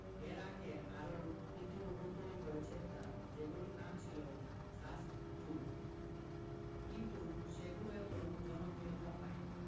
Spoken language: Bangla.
এর আগে আরও তিনটি রোবট তৈরি করেছে তারা যেগুলোর নাম ছিল সাস্ট টু কিন্তু সেগুলো এত জনপ্রিয়তা পায়নি